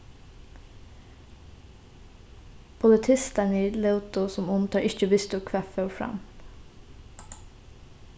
politistarnir lótu sum um teir ikki vistu hvat fór fram